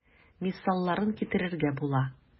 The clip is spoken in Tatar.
Мисалларын китерергә була.